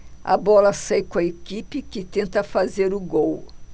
a bola sai com a equipe que tenta fazer o gol